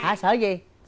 hả sở gì